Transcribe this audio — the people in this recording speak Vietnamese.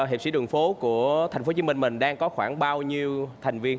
hiệp sĩ đường phố của thành phố hồ chí minh mình đang có khoảng bao nhiêu thành viên